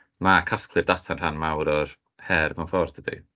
Ma' casglu'r data'n rhan mawr o'r her mewn ffordd dydy.